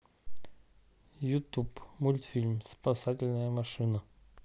ютуб мультфильм спасательная машина